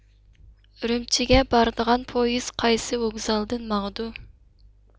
ئۈرۈمچىگە بارىدىغان پويىز قايسى ۋوگزالدىن ماڭىدۇ